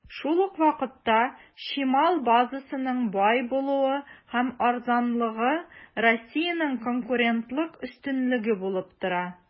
Шул ук вакытта, чимал базасының бай булуы һәм арзанлыгы Россиянең конкурентлык өстенлеге булып тора.